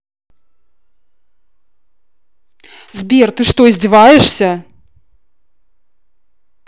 сбер ты что издеваешься